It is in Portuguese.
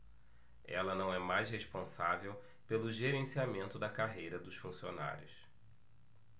ela não é mais responsável pelo gerenciamento da carreira dos funcionários